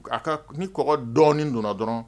A ka ni kɔ dɔɔnin donna dɔrɔn